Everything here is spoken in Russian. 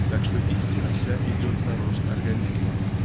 так что истина вся идет на рост организма